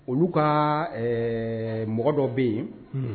Olu ka ɛɛ mɔgɔ dɔ bɛ yen, un